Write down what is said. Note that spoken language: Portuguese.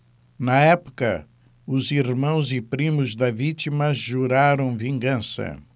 na época os irmãos e primos da vítima juraram vingança